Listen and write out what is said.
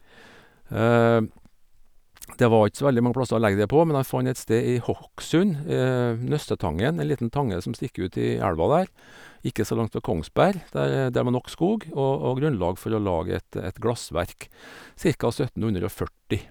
søttenhundre og førti.